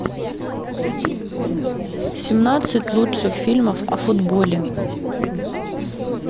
семнадцать лучших фильмов о футболе